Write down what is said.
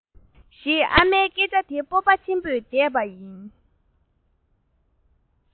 ཞེས ཨ མའི སྐད ཆ དེ སྤོབས པ ཆེན པོས བཟླས པ ཡིན